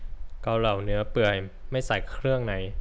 เกาเหลาเนื้อเปื่อยไม่ใส่เครื่องใน